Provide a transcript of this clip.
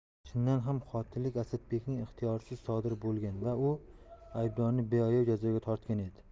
chindan ham qotillik asadbekning ixtiyorisiz sodir bo'lgan va u aybdorni beayov jazoga tortgan edi